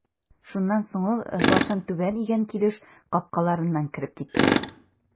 Шуннан соң ул башын түбән игән килеш капкаларыннан кереп китте.